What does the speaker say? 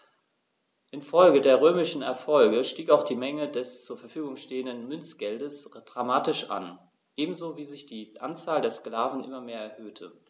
Infolge der römischen Erfolge stieg auch die Menge des zur Verfügung stehenden Münzgeldes dramatisch an, ebenso wie sich die Anzahl der Sklaven immer mehr erhöhte.